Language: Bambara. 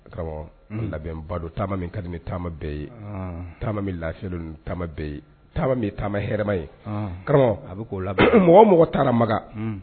Karamɔgɔ labɛnbadɔ taama min ka ni taama bɛɛ ye taama min lafiri ni taama bɛɛ ye taama min taama hɛrɛma ye karamɔgɔ a bɛ k'o labɛn mɔgɔ mɔgɔ taara makan